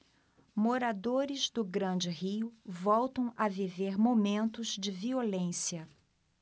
moradores do grande rio voltam a viver momentos de violência